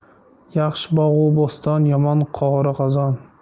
yaxshi bog' u bo'ston yomon qora qozon